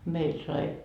meillä sai